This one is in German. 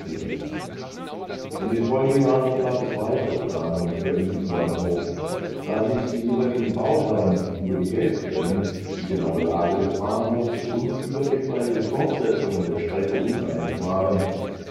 die Rechnung. In den Folgejahren gab es weitere Planungen für einen U-Bahnhof. Da sich die jeweiligen Bauherren über die Geldquellen, die genaue Lage des Bahnhofs und über etwaige Fortsetzungen der Strecke uneinig waren